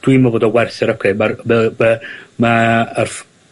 dwi'n meddwl bod o werth yr upgrade ma'r ma' yy ma' yr ff-...